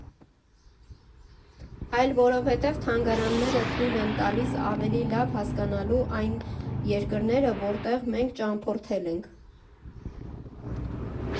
Այլ որովհետև թանգարանները թույլ են տալիս ավելի լավ հասկանալու այն երկրները, որտեղ մենք ճամփորդել ենք։